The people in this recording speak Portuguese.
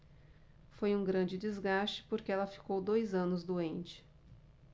foi um grande desgaste porque ela ficou dois anos doente